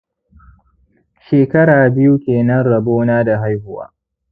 shekara biyu kenan rabona da haihuwa